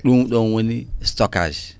ɗum ɗon woni satockage